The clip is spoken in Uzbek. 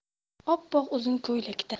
oppoq uzun ko'ylakda